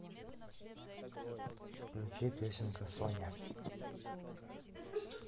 включи песенка соня